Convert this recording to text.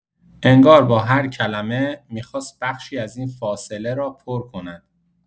انگار با هر کلمه، می‌خواست بخشی از این فاصله را پر کند.